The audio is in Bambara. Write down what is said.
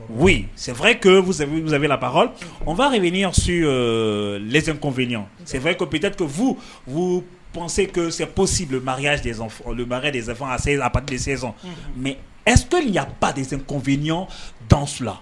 We senfɛsɛɔ'a de bɛ'' su fiɔnfɛpite to fuu uu pɔnsekisɛ psibagaya olu ba dep dez mɛ ɛstoli ya ba de2 dɔn fila